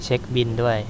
เช็คบิลด้วย